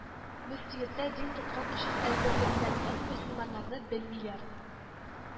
Мөфтияттә дин тоткан өчен эзәрлекләнгән мөселманнарны белмиләр